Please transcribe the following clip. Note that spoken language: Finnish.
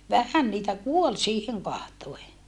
vähän niitä kuoli siihen katsoen